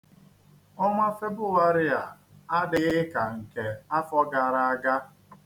Ọnwa Febuwarị a adịghị ka nke afọ gara aga.